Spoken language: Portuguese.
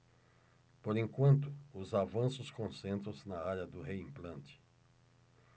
por enquanto os avanços concentram-se na área do reimplante